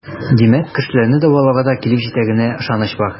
Димәк, кешеләрне дәвалауга да килеп җитәренә ышаныч бар.